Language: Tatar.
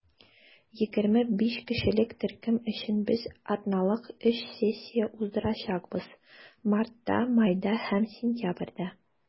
25 кешелек төркем өчен без атналык өч сессия уздырачакбыз - мартта, майда һәм сентябрьдә.